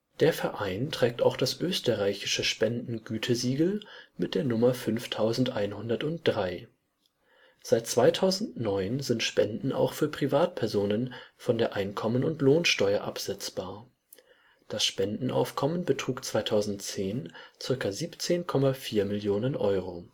Der Verein trägt auch das Österreichische Spendengütesiegel mit der Nummer 5103. Seit 2009 sind Spenden auch für Privatpersonen von der Einkommen - und Lohnsteuer absetzbar. Das Spendenaufkommen betrug 2010 ca. 17,4 Millionen Euro